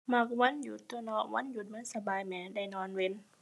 มักวันหยุดตั่วเนาะ วันหยุดมันสบายแหม ได้นอนวัน